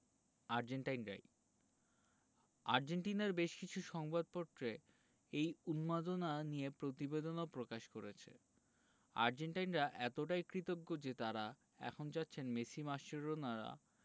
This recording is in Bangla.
আর্জেন্টাইনরাই আর্জেন্টিনার বেশ কিছু সংবাদপত্র এই উন্মাদনা নিয়ে প্রতিবেদনও প্রকাশ করেছে আর্জেন্টাইনরা এতটাই কৃতজ্ঞ যে তাঁরা এখন চাচ্ছেন মেসি মাসচেরানোরা